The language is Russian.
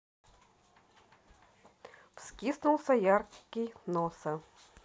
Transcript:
вскинулся яркий носа